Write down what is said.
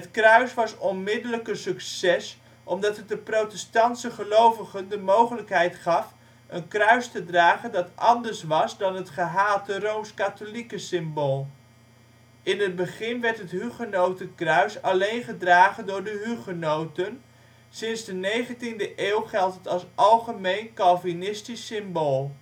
kruis was onmiddellijk een succes, omdat het de protestantse gelovigen de mogelijkheid gaf een kruis te dragen dat anders was dan het gehate rooms-katholieke symbool. In het begin werd het hugenotenkruis alleen gedragen door de hugenoten, sinds de 19e eeuw geldt het als algemeen calvinistisch symbool